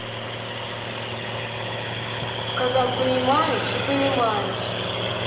сказал понимаешь и понимаешь